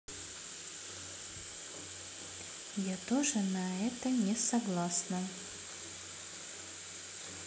я тоже на это не согласна